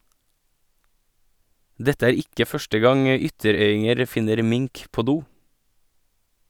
Dette er ikke første gang ytterøyinger finner mink på do